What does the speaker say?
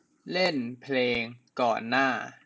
เล่นเพลงก่อนหน้า